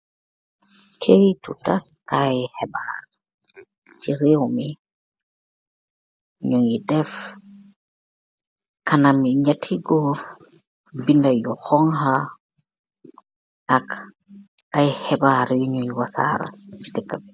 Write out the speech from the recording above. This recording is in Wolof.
Keitu tass kaii khibarr chi rewmi, njungy deff kanami njehti gorre binda yu honha ak aiiy khibarr yu njui worsahral c dehkah bi.